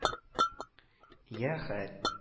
— я хәт